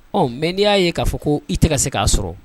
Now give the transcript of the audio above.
Ɔ n'i y'a ye k'a fɔ ko i tɛ ka se k'a sɔrɔ